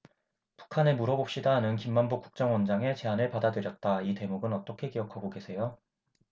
북한에 물어봅시다 하는 김만복 국정원장의 제안을 받아들였다 이 대목은 어떻게 기억하고 계세요